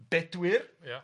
Bedwyr. Ia.